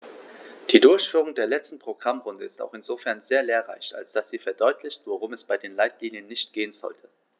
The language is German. Die Durchführung der letzten Programmrunde ist auch insofern sehr lehrreich, als dass sie verdeutlicht, worum es bei den Leitlinien nicht gehen sollte.